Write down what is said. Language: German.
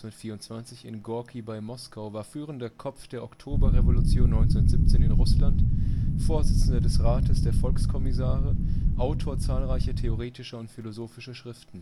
1924 in Gorki bei Moskau) war führender Kopf der Oktoberrevolution 1917 in Russland, Vorsitzender des Rates der Volkskommissare, Autor zahlreicher theoretischer und philosophischer Schriften